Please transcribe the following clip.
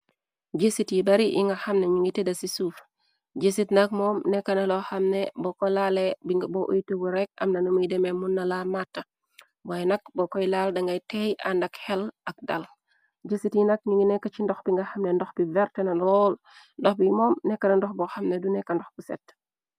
jëssit yi bari yi nga xamna ñu ngi tëdda ci suuf, jëssit nak moom nekk na lo xamne bo ko laale a bo uytubu rekk amnanumuy demee mun nala matta, waaye nak bo koy laal dangay teey àndak xel ak dàl, jësit yi nak ñi ngi nekk ci ndox bi nga xamne, ndox bi vertena rool, dox bi moom nekk na ndox bo xamne, du neka ndox bu set.